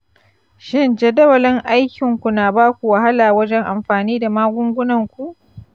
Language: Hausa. shin jadawalin aikin ku na baku wahala wajen amfani da magungunanku?